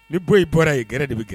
Ni bɔ' bɔra yeɛrɛ de bɛ kɛ